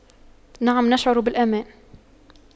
نعم نشعر بالأمان